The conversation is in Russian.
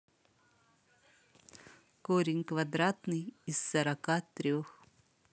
корень квадратный из сорока трех